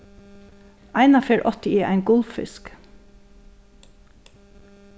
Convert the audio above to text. einaferð átti eg ein gullfisk